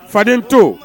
Faden to